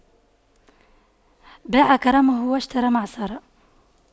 باع كرمه واشترى معصرة